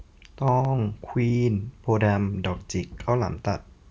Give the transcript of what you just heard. ตองควีนโพธิ์ดำดอกจิกข้าวหลามตัด